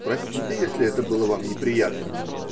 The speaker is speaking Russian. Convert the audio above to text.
Простите, если это было вам неприятно.